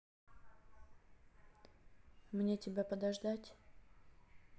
мне тебя подождать